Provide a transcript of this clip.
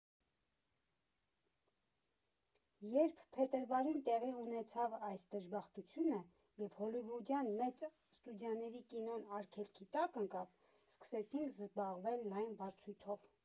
Երբ փետրվարին տեղի ունեցավ այս դժբախտությունը, և հոլիվուդյան մեծ ստուդիաների կինոն արգելքի տակ ընկավ, սկսեցինք զբաղվել լայն վարձույթով։